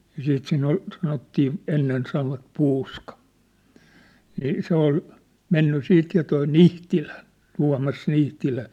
ja sitten siinä oli sanottiin ennen sanoivat puuska niin se oli mennyt sitten ja tuo Nihtilä Tuomas Nihtilä